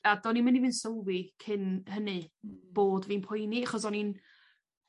A do'n ni'm yn even sylwi cyn hynny bod fi'n poeni achos o'n i'n